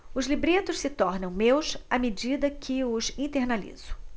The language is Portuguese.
os libretos se tornam meus à medida que os internalizo